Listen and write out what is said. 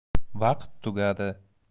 vaqt tugadi